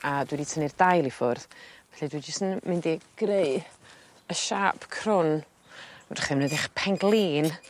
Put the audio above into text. a dwi 'di tynnu'r dail i ffwrdd felly dwi jyst yn mynd i greu y siâp crwn fedrwch chi 'nyddio'ch mynydioch pen-glin